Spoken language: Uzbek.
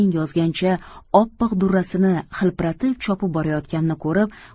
yozgancha oppoq durrasini hilpiratib chopib borayotganini ko'rib